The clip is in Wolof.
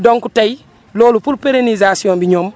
donc tey loolu pour pérénisation bi ñoom